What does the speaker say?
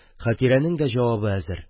Хәтирәнең дә җавабы әзер: